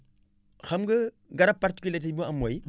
xam nga garab particularité bi mu am mooy